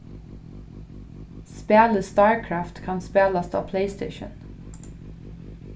spælið starcraft kann spælast á playstation